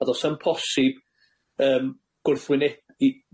a do's 'a'm posib yym gwrthwynebu